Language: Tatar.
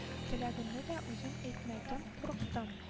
Теләгемне дә үзем әйтмәдем, курыктым